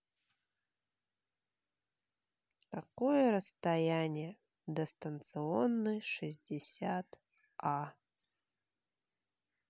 какое расстояние до станционной шестьдесят а